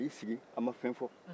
a y'i sigi a ma fɛn fɔ